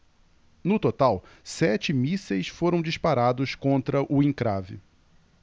no total sete mísseis foram disparados contra o encrave